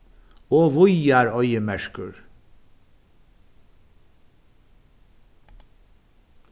og víðar oyðimerkur